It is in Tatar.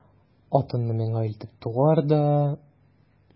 Атыңны миңа илтеп тугар да...